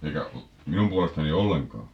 eikä minun puolestani ollenkaan